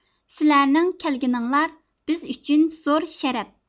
سىلەرنىڭ كەلگىنىڭلار بىز ئۈچۈن زور شەرەپ